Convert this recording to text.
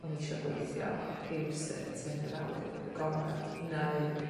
oni isio gweithio rhywsut yn yr awyr agorad neu